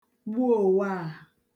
gbuòwaà